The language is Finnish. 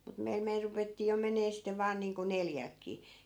mutta meillä meillä ruvettiin jo menemään sitten vain niin kuin neljältäkin